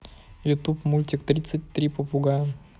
ютуб мультик тридцать три попугая